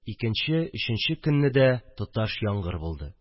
Икенче, өченче көнне дә тоташ яңгыр булды